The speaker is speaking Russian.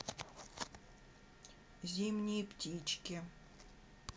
зимние птички